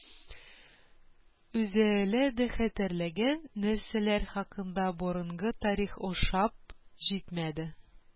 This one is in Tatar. Үзе әле дә хәтерләгән нәрсәләр хакында борынгы тарих ошап җитмәде